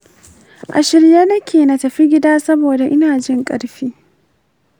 a shirye nake na tafi gida saboda inajin karfi.